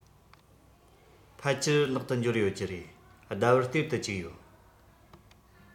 ཕལ ཆེར ལག ཏུ འབྱོར ཡོད ཀྱི རེད ཟླ བར སྟེར དུ བཅུག ཡོད